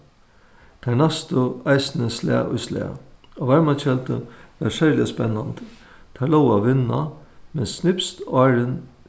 tær næstu eisini slag í slag á varmakeldu var serliga spennandi teir lógu at vinna men snipst áðrenn